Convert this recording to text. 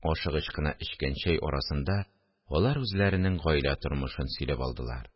Ашыгыч кына эчкән чәй арасында алар үзләренең гаилә тормышын сөйләп алдылар